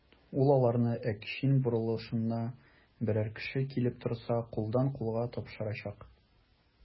Ул аларны Әкчин борылышына берәр кеше килеп торса, кулдан-кулга тапшырачак.